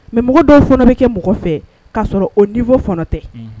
Mɛ mɔgɔ dɔw fana bɛ kɛ mɔgɔ fɛ k ka sɔrɔ o nifɔ tɛ